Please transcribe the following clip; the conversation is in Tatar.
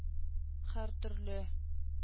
Һәртөрле